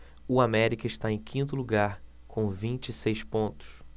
o américa está em quinto lugar com vinte e seis pontos